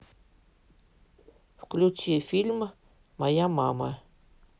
включи фильм моя мама